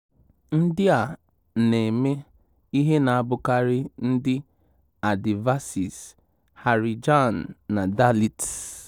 Ndị a na-eme ihe na abụkarị ndị Adivasis, Harijan na Dalits.